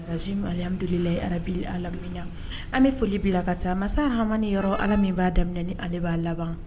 Alimdula arabimi an bɛ foli bila la ka taa masa hamamani yɔrɔ ala min b'a daminɛ ale b'a laban